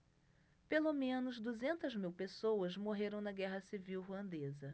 pelo menos duzentas mil pessoas morreram na guerra civil ruandesa